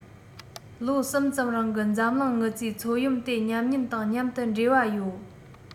ལོ གསུམ ཙམ རིང གི འཛམ གླིང དངུལ རྩའི མཚོ ཡོམ དེ ཉམས ཉེན དང མཉམ དུ འབྲེལ བ ཡོད